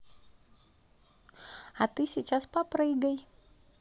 а ты сейчас попрыгай